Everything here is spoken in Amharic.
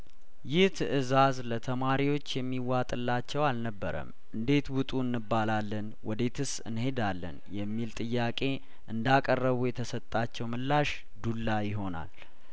ይህ ትእዛዝ ለተማሪዎች የሚዋጥላቸው አልነበረም እንዴት ውጡ እንባላለን ወዴትስ እንሄዳለን የሚል ጥያቄ እንዳ ቀረቡ የተሰጣቸው ምላሽ ዱላ ይሆናል